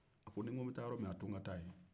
ni n bɛ taa yɔrɔ min a to n ka taa yen